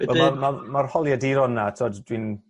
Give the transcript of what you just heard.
Wedyn... A ma' ma'r holiaduron 'na t'wod dwi'n